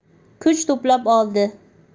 kuch to'plab oldi